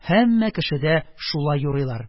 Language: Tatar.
Һәммә кеше дә шулай юрыйлар.